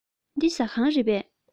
འདི ཟ ཁང རེད པས